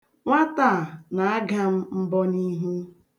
Nwata a na-aga m mbọ n'ihu.